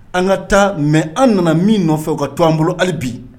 An ka taa mɛ an nana min nɔfɛ ka to an bolo hali bi